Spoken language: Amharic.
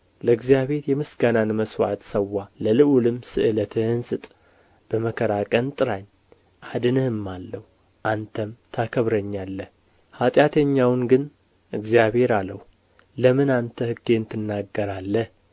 ለእግዚአብሔር የምስጋናን መሥዋዕት ሠዋ ለልዑልም ስእለትህን ስጥ በመከራ ቀን ጥራኝ አድንህማለሁ አንተም ታከብረኛለህ ኃጢአተኛውን ግን እግዚአብሔር አለው ለምን አንተ ሕጌን ትናገራለህ